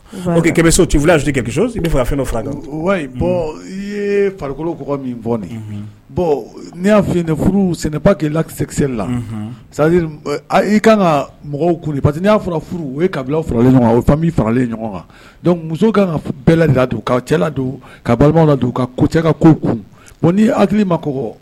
So cifu so fara wa bɔn i ye farikolo kɔ min fɔ n'i y'a f furu sen pa k'i lakisɛsɛri la i kan ka mɔgɔw kun pa que n y'a fɔra furu u ye kabila faralen ɲɔgɔn kan o fa faralen ɲɔgɔn kan muso ka bɛɛla ka cɛla la don ka balima la don ka ko cɛ ka ko kun ko n'i hakili ma kɔ